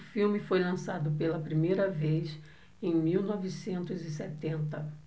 o filme foi lançado pela primeira vez em mil novecentos e setenta